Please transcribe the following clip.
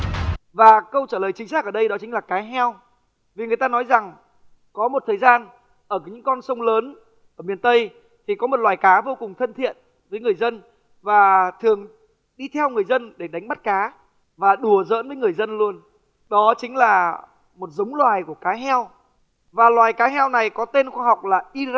và câu trả lời chính xác ở đây đó chính là cá heo vì người ta nói rằng có một thời gian ở những con sông lớn ở miền tây thì có một loài cá vô cùng thân thiện với người dân và thường đi theo người dân để đánh bắt cá và đùa giỡn với người dân luôn đó chính là một giống loài của cá heo và loài cá heo này có tên khoa học là i